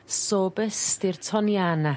Sorbus stirtoniana.